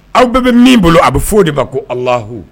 Aw bɛɛ bɛ min bolo a bɛ f fɔ o de' ko alahu